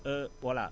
voilà